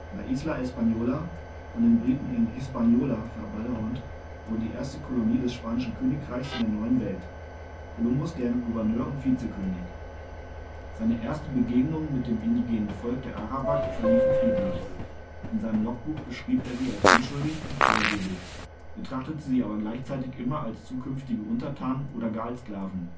La Isla Española, von den Briten in Hispaniola verballhornt, wurde die erste Kolonie des spanischen Königreichs in der Neuen Welt, Kolumbus deren Gouverneur und Vizekönig. Seine ersten Begegnungen mit dem indigenen Volk der Arawak verliefen friedlich. In seinem Logbuch beschrieb er sie als „ unschuldig “und freigebig, betrachtete sie aber gleichzeitig immer als zukünftige Untertanen oder gar als Sklaven